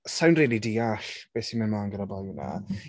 Sa i'n rili deall, be sy'n mynd 'mlaen gyda'r boi 'na.